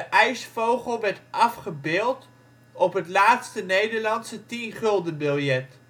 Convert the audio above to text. ijsvogel werd afgebeeld op het laatste Nederlandse 10-guldenbiljet